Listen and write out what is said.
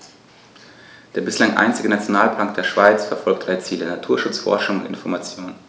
Der bislang einzige Nationalpark der Schweiz verfolgt drei Ziele: Naturschutz, Forschung und Information.